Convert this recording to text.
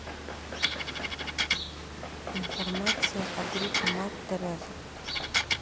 информация о группе мать тереза